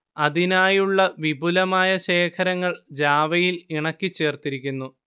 അതിനായുള്ള വിപുലമായ ശേഖരങ്ങൾ ജാവയിൽ ഇണക്കിച്ചേർത്തിരിക്കുന്നു